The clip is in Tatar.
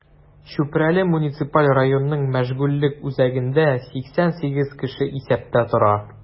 Чүпрәле муниципаль районының мәшгульлек үзәгендә 88 кеше исәптә тора.